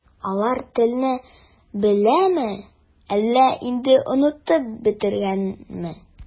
Алар телне беләме, әллә инде онытып бетергәнме?